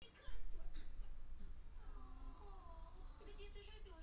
блин право на убийство